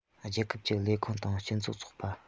རྒྱལ ཁབ ཀྱི ལས ཁུངས དང སྤྱི ཚོགས ཚོགས པ